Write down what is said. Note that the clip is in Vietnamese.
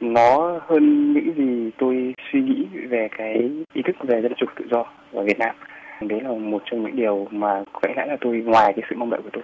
nó hơn những gì tôi suy nghĩ về cái ý thức về dân chủ tự do ở việt nam mà đấy là một trong những điều mà có lẽ ngoài cái sự mong đợi của tôi